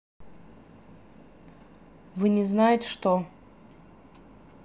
вы не знает что